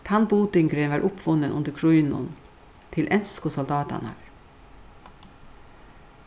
tann budingurin varð uppfunnin undir krígnum til ensku soldátarnar